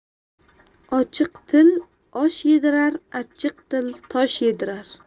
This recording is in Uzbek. ochiq til osh yedirar achchiq til tosh yedirar